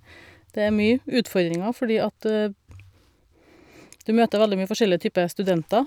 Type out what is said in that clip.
Det er mye utfordringer, fordi at du møter veldig mye forskjellige type studenter.